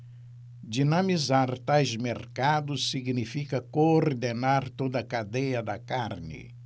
dinamizar tais mercados significa coordenar toda a cadeia da carne